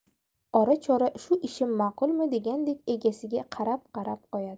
ora chora shu ishim maqulmi degandek egasiga qarab qarab qo'yadi